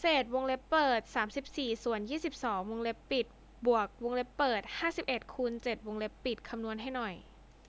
เศษวงเล็บเปิดสามสิบสี่ส่วนยี่สิบสองวงเล็บปิดบวกวงเล็บเปิดห้าสิบเอ็ดคูณเจ็ดวงเล็บปิดคำนวณให้หน่อย